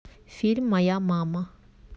фильм моя мама